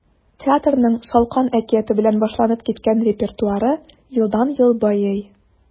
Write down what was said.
Театрның “Шалкан” әкияте белән башланып киткән репертуары елдан-ел байый.